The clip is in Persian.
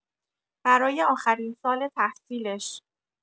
برای آخرین سال تحصیلش